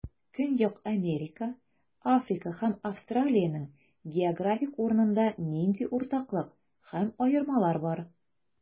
Көньяк Америка, Африка һәм Австралиянең географик урынында нинди уртаклык һәм аермалар бар?